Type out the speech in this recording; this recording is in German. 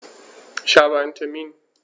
Ich habe einen Termin.